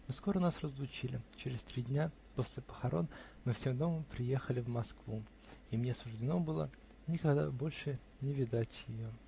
Но скоро нас разлучили: через три дня после похорон мы всем домом приехали в Москву, и мне суждено было никогда больше не видать ее.